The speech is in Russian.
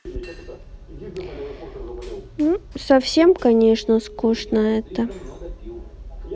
совсем конечно скучно это